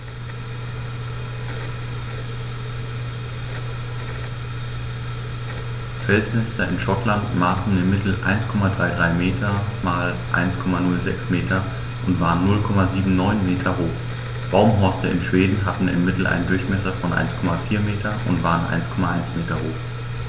Felsnester in Schottland maßen im Mittel 1,33 m x 1,06 m und waren 0,79 m hoch, Baumhorste in Schweden hatten im Mittel einen Durchmesser von 1,4 m und waren 1,1 m hoch.